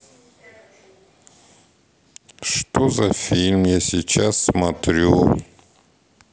что за фильм я сейчас смотрю